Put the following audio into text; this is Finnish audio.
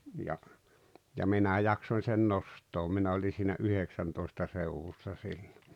ja ja minä jaksoin sen nostaa minä olin siinä yhdeksäntoista seudussa silloin